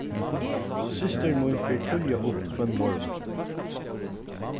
systir mín fer tíðliga upp hvønn morgun